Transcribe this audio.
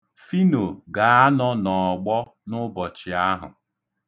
Fino ga-anọ n'ọgbọ n'ụbọchị ahụ.